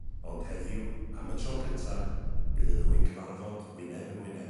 Ond heddiw am y tro cynta bydd y ddwy'n cyfarfod wyneb yn wyneb.